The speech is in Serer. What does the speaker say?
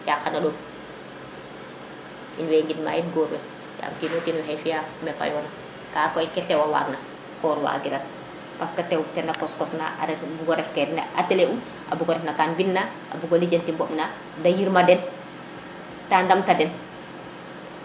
yaag xana ɗom in way ŋid ma nuun goor we yam o kino kin o xey fiya kete waag na nda koy ke tewa waag na koor wagiran parce tew kete kos kos na a ref bugu ref na atelier um o bugo ref no kan mbina a bugo lijante ɓoɓ na nu yirma den ta ndamta den